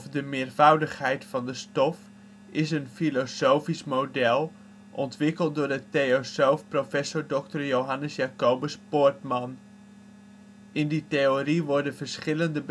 de meervoudigheid van de stof is een filosofisch model, ontwikkeld door de theosoof Prof. Dr. Johannes Jacobus Poortman. In die theorie worden verschillende